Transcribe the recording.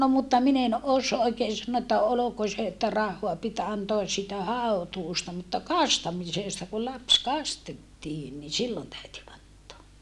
no mutta minä en - oikein sanoa että oliko se että rahaa piti antaa siitä hautuusta mutta kastamisesta kun lapsi kastettiin niin silloin täytyi antaa